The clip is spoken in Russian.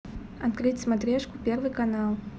открыть смотрешку первый канал